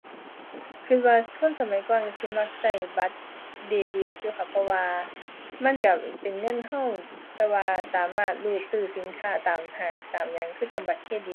คิดว่า คนสมัยก่อนคิดสิมักคิดบัตรเดบิตอยู่ค่ะ เพราะว่ามันคิดเป็นเงินคิด แต่ว่าสามารถรูดซื้อสินค้าตามห้างตามหยังคือจั่งบัตรเครดิต